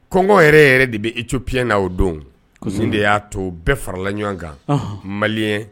Kɔngɔ yɛrɛ yɛrɛ de bɛ éthiopien la o don. Kosɛbɛ! O de y'a to bɛɛ farala ɲɔgɔn kan. Ɔnhɔn! Maliyɛn